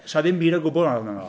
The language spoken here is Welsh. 'Sa ddim byd o gwbl yn anodd amdano fo.